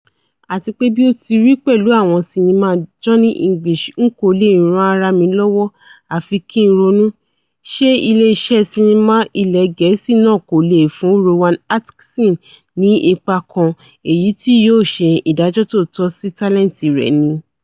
̀Àtipé bí ó ti rí pẹ̀lú àwọn sinnimá Johnny English N kò leè ran ara mi lọ́wó àfi kí ńronú: ṣe ilé iṣẹ́ sinnimá ilẹ́ Gẹ̀ẹ́sì náà kò leè fún Rowan Atkinson ni ipa kan èyití yóò ṣe ìdájọ́ tòótọ́ sí tálẹ́ǹtì rẹ̀ ni?